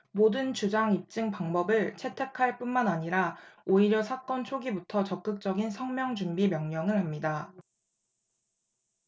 모든 주장 입증 방법을 채택할 뿐만 아니라 오히려 사건 초기부터 적극적인 석명준비 명령을 합니다